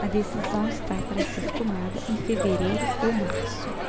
a decisão está para ser tomada em fevereiro ou março